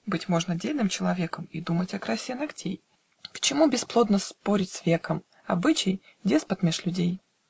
Быть можно дельным человеком И думать о красе ногтей: К чему бесплодно спорить с веком? Обычай деспот меж людей.